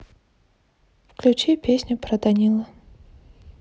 включи песню про данила